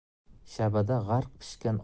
shabada g'arq pishgan